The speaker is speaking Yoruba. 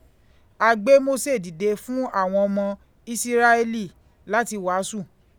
A gbé Mósè dìde fún àwọn ọmọ Ísíráélì láti wàásù.